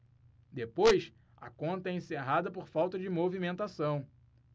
depois a conta é encerrada por falta de movimentação